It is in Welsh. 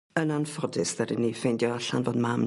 Yn anffodus ddaru ni ffeindio allan fod mam...